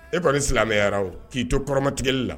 E kɔni silamɛyara o k'i to kɔrɔmatigɛli la